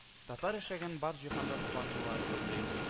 Татар яшәгән бар җиһанда Сабантуйлар гөрли